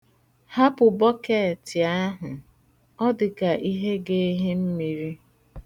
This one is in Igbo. Hapụ bọkeeti ahụ, ọ dịka ihe ga-ehi mmiri.